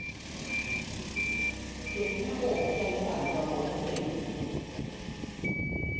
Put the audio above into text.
เจ็บหน้าอกใจสั่นกว่าปกติ